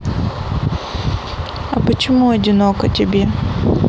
а почему одиноко тебе